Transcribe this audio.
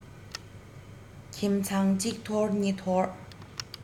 ཁྱིམ ཚང གཅིག འཐོར གཉིས འཐོར